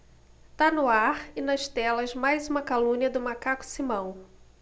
tá no ar e nas telas mais uma calúnia do macaco simão